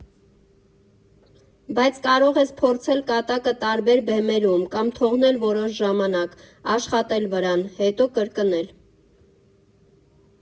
Բայց կարող ես փորձել կատակը տարբեր բեմերում կամ թողնել որոշ ժամանակ, աշխատել վրան, հետո կրկնել։